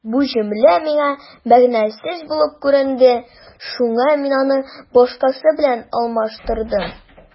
Бу җөмлә миңа мәгънәсез булып күренде, шуңа мин аны башкасы белән алмаштырдым.